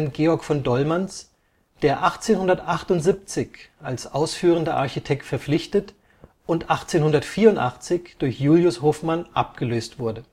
Georg von Dollmanns, der 1878 als ausführender Architekt verpflichtet und 1884 durch Julius Hofmann abgelöst wurde